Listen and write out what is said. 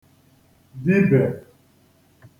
dibè